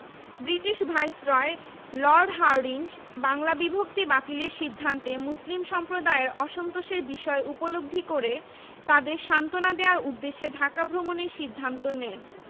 নওয়াব সৈয়দ নওয়াব আলী চৌধুরী এবং এ.কে ফজলুল হক সাক্ষাৎকালে তাঁরা বঙ্গভঙ্গ রহিত করায় শিক্ষাক্ষেত্রে তাদের অগ্রযাত্রা ব্যাহত হবে বলে আশঙ্কা প্রকাশ করেন